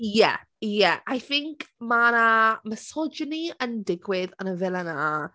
Ie, ie. I think ma 'na misogyny yn digwydd yn y villa 'na.